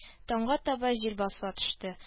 Таңга таба җил басыла төште